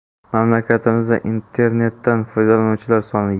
mamlakatimizda internetdan foydalanuvchilar soni